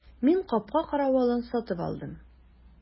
Мин капка каравылын сатып алдым.